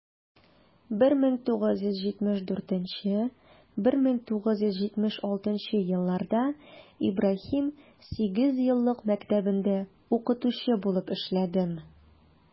1974 - 1976 елларда ибраһим сигезьеллык мәктәбендә укытучы булып эшләдем.